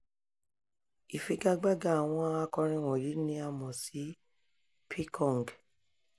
Ìfigagbága àwọn akọrin wọ̀nyí ni a mọ̀ sí "picong".